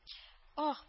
Ах